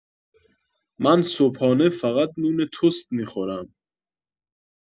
من صبحانه فقط نون تست می‌خورم